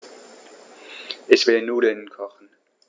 Ich will Nudeln kochen.